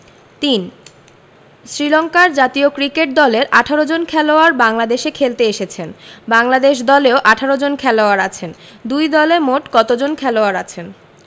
৩ শ্রীলংকার জাতীয় ক্রিকেট দলের ১৮ জন খেলোয়াড় বাংলাদেশে খেলতে এসেছেন বাংলাদেশ দলেও ১৮ জন খেলোয়াড় আছেন দুই দলে মোট কতজন খেলোয়াড় আছেন